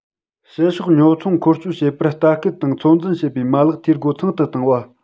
ཕྱི ཕྱོགས ཀྱི ཉོ ཚོང འཁོར སྐྱོད བྱེད པར ལྟ སྐུལ དང ཚོད འཛིན བྱེད པའི མ ལག འཐུས སྒོ ཚང དུ བཏང བ